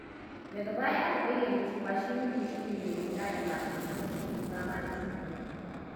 Daga baya aka bayyana cewa shi mijin shi ne mai kula da matar, wadda take fama da cutar mantuwa.